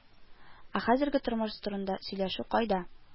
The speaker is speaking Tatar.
Ә хәзерге тормыш турында сөйләшү кайда